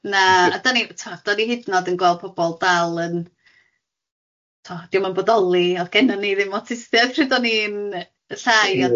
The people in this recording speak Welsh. na a dan ni tibod, dan ni hyd yn oed yn gweld pobl dal yn tibod dio'm yn bodoli oedd gennyn ni ddim awtistiaeth pryd o'n i'n llai... Ia.